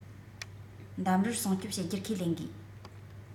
འདམ ར སྲུང སྐྱོང བྱེད རྒྱུར ཁས ལེན དགོས